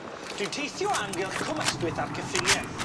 Dwi'n teithio o amgylch Cwm Ystwyth a'r cyffinie.